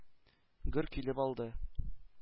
Гөр килеп алды.